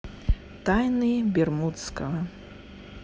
тайны бермудского